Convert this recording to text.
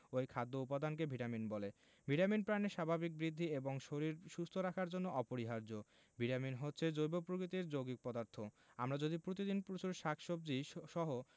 ঐ খাদ্য উপাদানকে ভিটামিন বলে ভিটামিন প্রাণীর স্বাভাবিক বৃদ্ধি এবং শরীর সুস্থ রাখার জন্য অপরিহার্য ভিটামিন হচ্ছে জৈব প্রকৃতির যৌগিক পদার্থ আমরা যদি প্রতিদিন প্রচুর শাকসবজী সহ